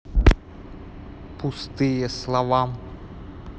пустые слова